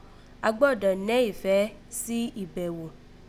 A gbọ́dọ̀ nẹ́ ìfẹ́ sí ìbẹghò